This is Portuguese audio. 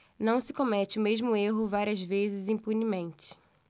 não se comete o mesmo erro várias vezes impunemente